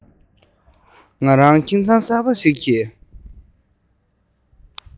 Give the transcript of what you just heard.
ང རང ཁྱིམ ཚང གསར པ ཞིག གི